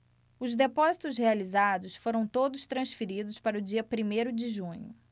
os depósitos realizados foram todos transferidos para o dia primeiro de junho